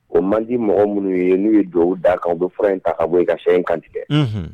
O mandi mɔgɔ minnu ye n'u ye jɔ u d' kan u bɛ fura in ta ka bɔ i ka fɛn in kantigɛ